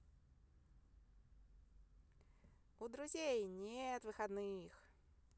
у друзей нет выходных